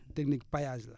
technique paillage la